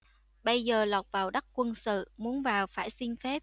bây giờ lọt vào đất quân sự muốn vào phải xin phép